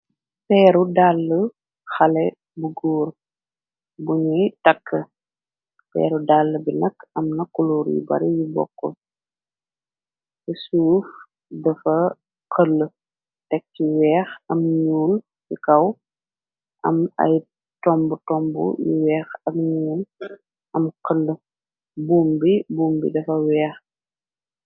Peeru dàll xale bu góur buñuy takk peeru dàll bi nakk am na kulour yu bari yu bokk ci suuf dafa xël tek ci weex am ñuul ci kaw am ay tomb tomb yu weex ak ñuul am xël buum bi buumbi dafa weex.